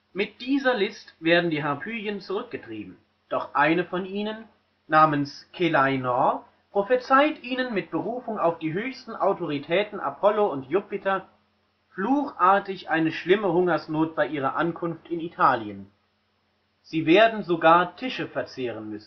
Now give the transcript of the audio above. mit dieser List werden die Harpyien zurückgetrieben, doch eine von ihnen namens Celaeno prophezeit ihnen mit Berufung auf die höchsten Autoritäten Apollo und Jupiter fluchartig eine schlimme Hungersnot bei ihrer Ankunft in Italien: sie werden sogar Tische verzehren